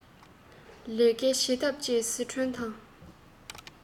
གཞི རྩའི བླང བྱ